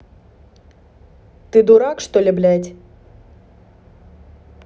ты дурак что ли блядь